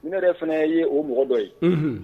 Ne yɛrɛ fɛnɛ ye o mɔgɔ dɔ ye unhun